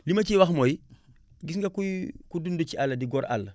li ma ciy wax mooy gis nga kuy ku dund ci àll di gor àll